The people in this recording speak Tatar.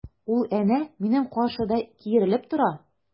Ул әнә минем каршыда киерелеп тора!